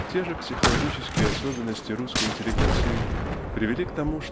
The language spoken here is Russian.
Те же психологические особенности русской интеллигенции привели к тому